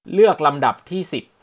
เลือกลำดับที่สิบ